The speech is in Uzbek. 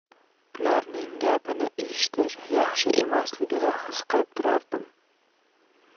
ularning gapini eshitish yaxshi emasligini his qilib turardim